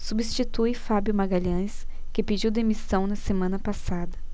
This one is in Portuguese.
substitui fábio magalhães que pediu demissão na semana passada